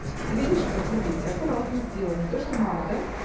ты видишь как гуглите аккуратно сделала не то что мама да